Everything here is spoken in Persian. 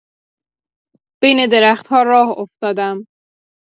بین درخت‌ها راه افتادم.